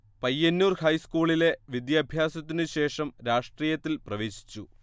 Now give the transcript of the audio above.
പയ്യന്നൂർ ഹൈസ്കൂളിലെ വിദ്യാഭ്യാസത്തിനു ശേഷം രാഷ്ട്രീയത്തിൽ പ്രവേശിച്ചു